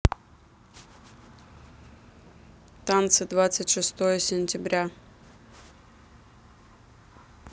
танцы двадцать шестое сентября